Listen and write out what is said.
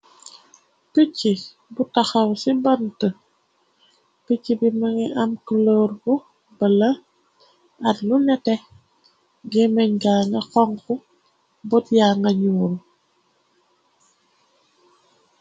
Picchi bu taxaw ci bant. picchi bi mëngi am culooru bala at lu nete gémeñga na xonxu but yanga ñuul.